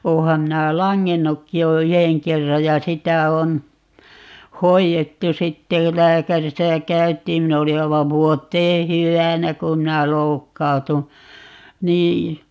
olenhan minä langennutkin jo yhden kerran ja sitä on hoidettu sitten - lääkärissä käytiin minä olin aivan vuoteen hyvänä kun minä loukkaannuin niin